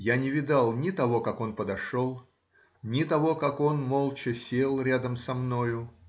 Я не видал ни того, как он подошел, ни того, как он молча сел рядом со мною